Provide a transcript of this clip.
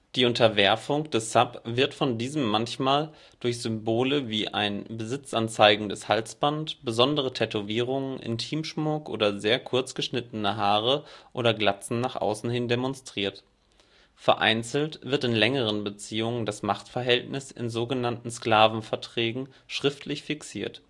Die Unterwerfung des Sub wird von diesem manchmal durch Symbole wie ein besitzanzeigendes Halsband, besondere Tätowierungen, Intimschmuck oder sehr kurzgeschnittene Haare oder Glatzen nach außen hin demonstriert. Vereinzelt wird in längeren Beziehungen das Machtverhältnis in sogenannten Sklavenverträgen schriftlich fixiert